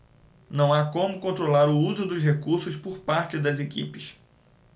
não há como controlar o uso dos recursos por parte das equipes